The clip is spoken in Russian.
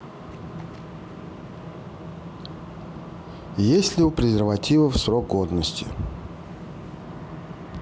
есть ли у презервативов срок годности